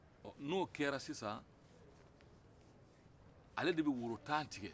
ɔ n'o kɛra sisan ale de bɛ worotan tigɛ